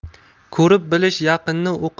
ko'rib bilish yaqinni